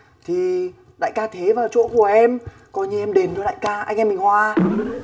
thì đại ca thế vào chỗ của em coi như em đền cho đại ca anh em mình hòa